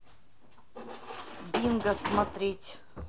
бинго смотреть